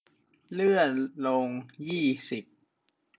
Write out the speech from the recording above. เลื่อนลงยี่สิบ